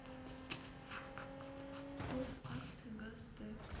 курс акций газ тэк